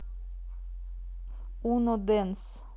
уно дэнс